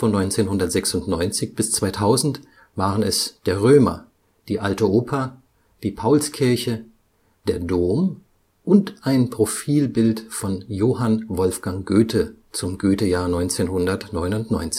1996 bis 2000 waren es der Römer, die Alte Oper, die Paulskirche, der Dom und ein Profilbild von Johann Wolfgang Goethe (zum Goethejahr 1999